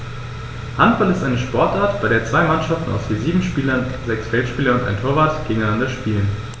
Handball ist eine Sportart, bei der zwei Mannschaften aus je sieben Spielern (sechs Feldspieler und ein Torwart) gegeneinander spielen.